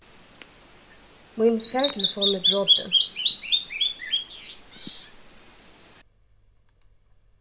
mín fartelefon er brotin